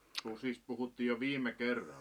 Susista puhuttiin jo viime kerralla